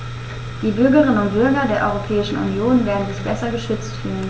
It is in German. Die Bürgerinnen und Bürger der Europäischen Union werden sich besser geschützt fühlen.